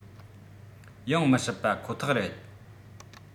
ཡོང མི སྲིད པ ཁོ ཐག རེད